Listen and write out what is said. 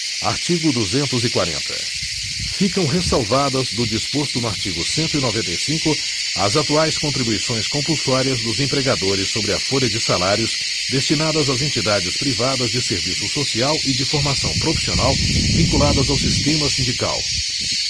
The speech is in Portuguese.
artigo duzentos e quarenta ficam ressalvadas do disposto no artigo cento e noventa e cinco as atuais contribuições compulsórias dos empregadores sobre a folha de salários destinadas às entidades privadas de serviço social e de formação profissional vinculadas ao sistema sindical